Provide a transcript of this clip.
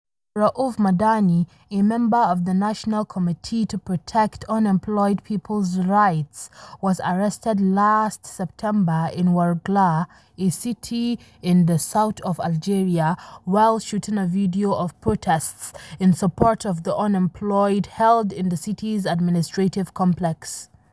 Abderaouf Madani, a member of the national committee to protect unemployed people's rights, was arrested last September in Ouargla, a city in the south of Algeria, while shooting a video of protests in support of the unemployed held in the city's administrative complex.